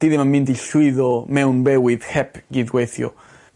ti ddim yn mynd i llwyddo mewn bewyd hep gydweithio.